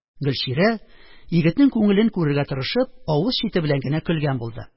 Гөлчирә, егетнең күңелен күрергә тырышып, авыз чите белән генә көлгән булды